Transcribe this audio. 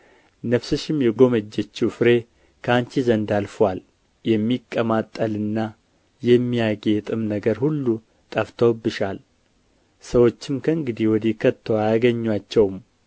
ነፍስሽም የጎመጀችው ፍሬ ከአንቺ ዘንድ አልፎአል የሚቀማጠልና የሚያጌጥም ነገር ሁሉ ጠፍቶብሻል ሰዎችም ከእንግዲህ ወዲህ ከቶ አያገኙአቸውም